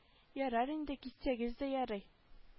Ярар инде китсәгез дә ярый